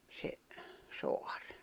se saari